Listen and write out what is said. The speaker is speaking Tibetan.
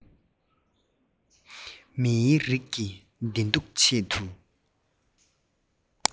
མིའི རིགས ཀྱི བདེ སྡུག ཆེད དུ